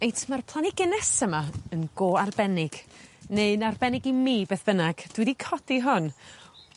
reit ma'r planhigyn nesa 'ma yn go arbennig neu yn arbennig i mi beth bynnag dwi 'di codi hon